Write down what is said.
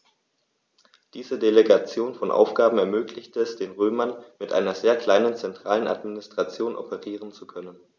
Diese Delegation von Aufgaben ermöglichte es den Römern, mit einer sehr kleinen zentralen Administration operieren zu können.